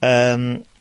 yym,